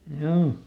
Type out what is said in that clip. joo